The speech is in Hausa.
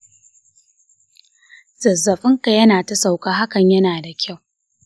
zazzafinka ya nata sauka hakan ya nada kyau.